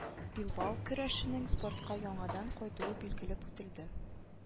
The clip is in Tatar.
Билбау көрәшенең спортка яңадан кайтуы билгеләп үтелде